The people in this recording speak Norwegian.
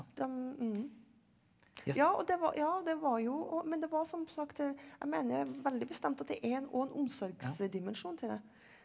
dem ja ja og det var ja og det var jo og men det var som sagt jeg mener veldig bestemt at det er òg en omsorgsdimensjon til det.